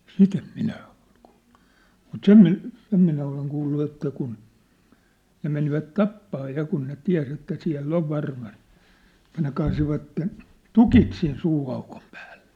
sitä en minä ole kuullut mutta sen - sen minä olen kuullut että kun ne menivät tappamaan ja kun ne tiesi että siellä on varmasti että ne kaatoivat tukit sinne suuaukon päälle